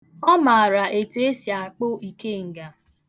Ọ mara etu esi akpụ ikenga.